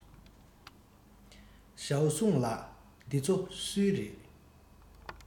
ཞའོ སུང ལགས འདི ཚོ སུའི རེད